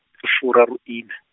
furaruiṋa.